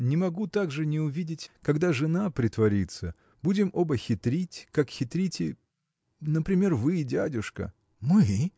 не могу также не увидеть, когда жена притворится будем оба хитрить, как хитрите. например, вы и дядюшка. – Мы?